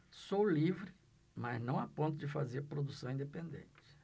sou livre mas não a ponto de fazer produção independente